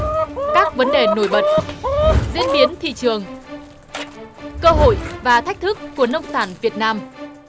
các vấn đề nổi bật diễn biến thị trường cơ hội và thách thức của nông sản việt nam